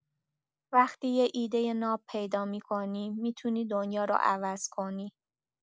وقتی یه ایده ناب پیدا می‌کنی، می‌تونی دنیا رو عوض کنی.